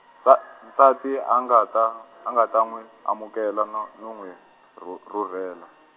nsa- nsati anga ta, anga ta n'wi amukela no no n'wi, rhu- rhurhela.